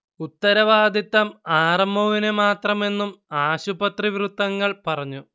ഉത്തരവാദിത്തം R. M. ഒവിനു മാത്രമെന്നും ആശുപത്രി വൃത്തങ്ങൾ പറഞ്ഞു